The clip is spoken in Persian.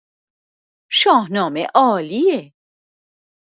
شاهنامه عالیه